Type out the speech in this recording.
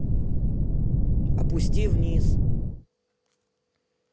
опусти вниз